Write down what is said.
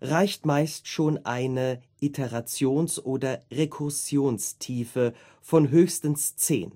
reicht meist schon eine Iterations - oder Rekursionstiefe von höchstens zehn